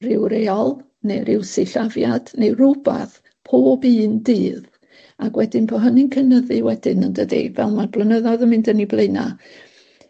rhyw reol ne' ryw sillafiad ne' rwbath pob un dydd ag wedyn bo' hynny'n cynyddu wedyn yndydi, fel ma'r blynyddoedd yn mynd yn 'u blaena'.